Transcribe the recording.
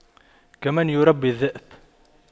كمن يربي الذئب